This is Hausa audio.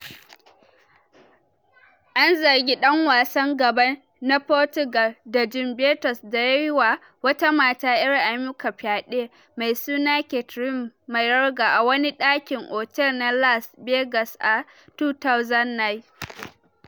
An zargi dan wasan gaban na Portugal da Juventus da yi wa wata mata ‘yar Amurka fyaɗe, mai suna Kathryn Mayorga, a wani dakin otel na Las Vegas a 2009.